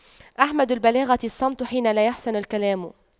أحمد البلاغة الصمت حين لا يَحْسُنُ الكلام